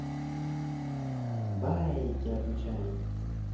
байки отмечаем